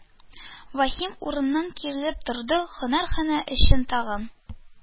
Ваһим урыныннан киерелеп торды, һөнәрханә эчен тагын